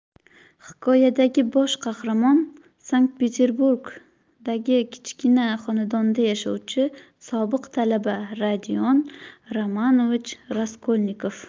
hikoyadagi bosh qahramon sankt peterburgdagi kichkina xonadonda yashovchi sobiq talaba rodion romanovich raskolnikov